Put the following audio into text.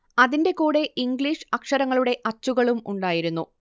അതിന്റെ കൂടെ ഇംഗ്ലീഷ് അക്ഷരങ്ങളുടെ അച്ചുകളും ഉണ്ടായിരുന്നു